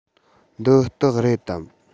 འདི སྟག རེད དམ